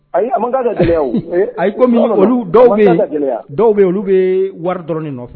A ayi dɔw bɛ dɔw bɛ yen olu bɛ wari dɔrɔnin nɔfɛ